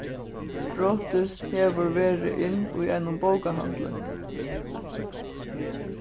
brotist hevur verið inn í einum bókahandli